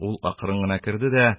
Ул акрын гына керде дә,